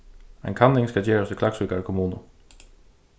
ein kanning skal gerast í klaksvíkar kommunu